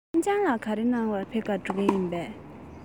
ཤིན ཅང ལ ག རེ གནང ག ཕེབས འགྲོ ག